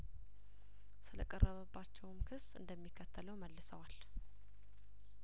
ስለቀረበባቸውም ክስ እንደሚከተለው መልሰዋል